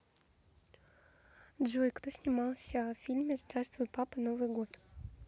джой кто снимался в фильме здравствуй папа новый год